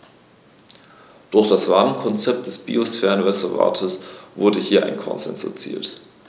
Durch das Rahmenkonzept des Biosphärenreservates wurde hier ein Konsens erzielt.